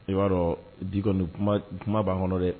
I b'a dɔn di kuma b'anɔn dɛ